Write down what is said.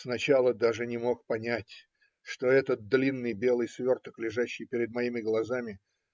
Сначала даже не мог понять, что этот длинный белый сверток, лежащий перед моими глазами,